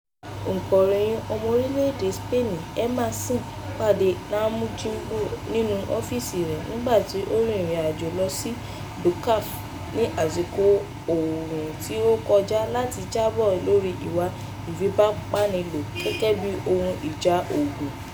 Ọ̀ǹkọ̀ròyìn ọmọ orílẹ̀ èdè Spain Hermán Zin pàdé Namujimbo nínú ọ́fíìsì rẹ̀ nígbàtí ó rin ìrìn àjò lọ sí Bukavu ní àsìkò ooru tí ó kọjá láti jábọ̀ lórí ìwà ìfipábánilò gẹ́gẹ́ bíi ohun ìjà ogun.